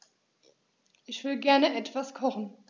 Ich will gerne etwas kochen.